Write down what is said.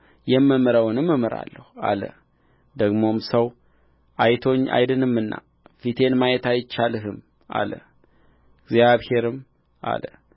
የምምረውንም እምራለሁ አለ ደግሞም ሰው አይቶኝ አይድንምና ፊቴን ማየት አይቻልህም አለ እግዚአብሔርም አለ